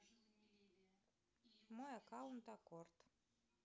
мой аккаунт аккорд